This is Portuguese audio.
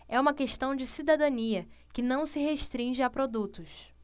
é uma questão de cidadania que não se restringe a produtos